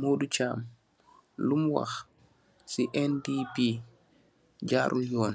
modou cham lum wakh ci NDP jarul yon.